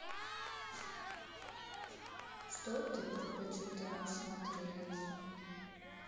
что ты предпочитаешь смотреть